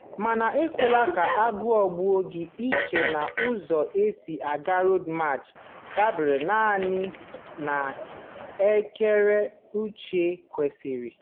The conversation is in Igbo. Mana ekwela ka a ghọgbuo gị iche na ụzọ e si aga Road March dabeere naanị n'ekere uche kwesịrị.